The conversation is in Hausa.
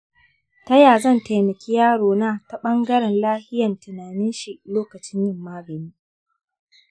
ta ya zan taimaki yaro na ta ɓangaren lafiyan tinanin shi lokacin yin magani.